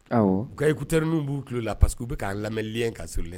Awɔ, u ka écouteur min b'u ki tulo la la parce que u bɛ k'an lamɛn lien kan sur l'in